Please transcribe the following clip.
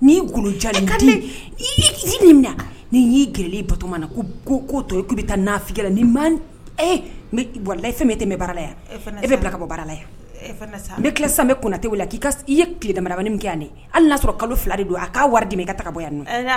Ni gololen ka ni y'i g batoma na ko ko ko to i' bɛ taa fi la ni nla fɛn tɛmɛ bɛ barala yan e bɛ ka bɔ barala sa ki sabe kuntɛ la k' i ye tiledamana kɛ hali y'a sɔrɔ kalo fila de don a k'a wari d di i ka taa bɔ yan ale